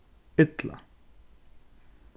illa